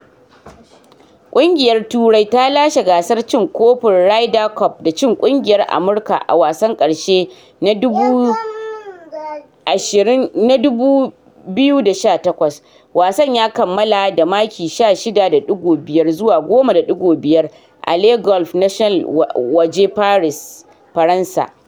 Kungiyar Turai ta lashe gasar cin kofin Ryder Cup da cin kungiyar Amurka a wasan karshe na 2018 wasan ya kammalla da maki 16.5 zuwa 10.5 a Le Golf National waje Paris, Faransa.